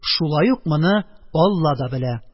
Шулай ук моны Алла да белә